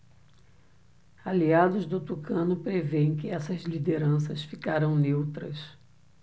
aliados do tucano prevêem que essas lideranças ficarão neutras